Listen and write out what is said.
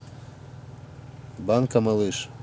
банка малыш